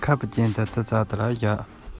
བདག གི བྱམས པའི ཨ མས ཀྱང